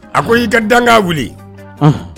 A ko i y'i ka danka wuli unhun